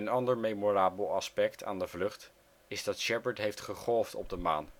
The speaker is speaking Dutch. ander memorabel aspect aan de vlucht is dat Shepard heeft gegolfd op de maan